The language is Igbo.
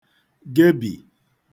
gebì